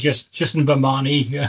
Jyst jyst yn fy marn i, ie.